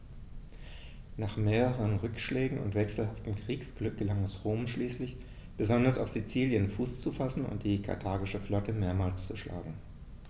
Nach mehreren Rückschlägen und wechselhaftem Kriegsglück gelang es Rom schließlich, besonders auf Sizilien Fuß zu fassen und die karthagische Flotte mehrmals zu schlagen.